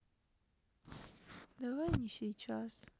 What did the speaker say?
давай не сейчас